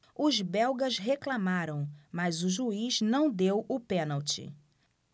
os belgas reclamaram mas o juiz não deu o pênalti